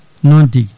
noon tigui